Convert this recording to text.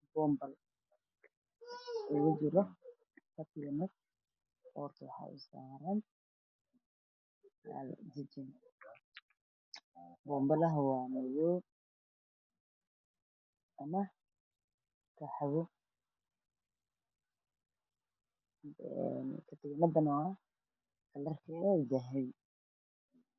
Bobilo kujiro katiinad io jijin bobilah waa madow aba qaxwi katindan waa dahbi